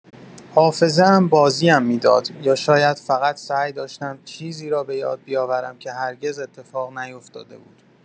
حافظه‌ام بازی‌ام می‌داد، یا شاید فقط سعی داشتم چیزی را بۀاد بیاورم که هرگز اتفاق نیفتاده بود.